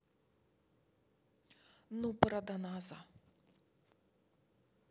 ну проданаза